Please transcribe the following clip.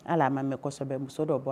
Hali a ma mɛn kosɛbɛ muso dɔ bɔla